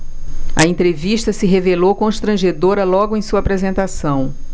a entrevista se revelou constrangedora logo em sua apresentação